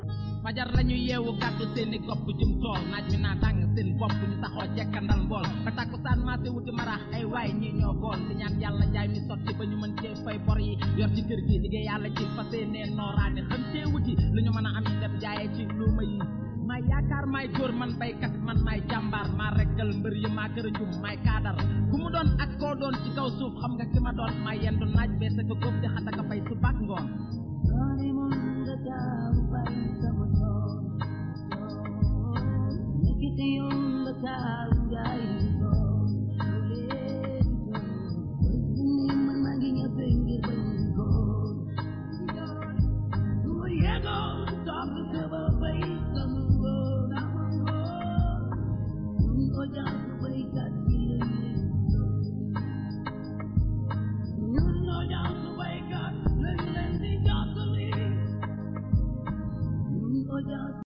ISRA ak AICRA ak nag rajo communautaire yu Sénégal